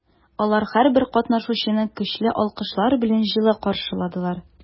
Алар һәрбер катнашучыны көчле алкышлар белән җылы каршыладылар.